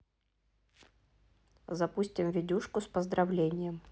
запустим видюшку с поздравлением